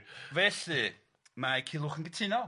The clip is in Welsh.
Felly, mae Culhwch yn gytuno.